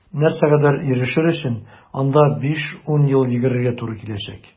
Нәрсәгәдер ирешер өчен анда 5-10 ел йөгерергә туры киләчәк.